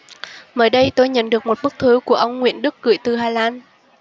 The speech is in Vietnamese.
mới đây tôi nhận được một bức thư của ông nguyễn đức gửi từ hà lan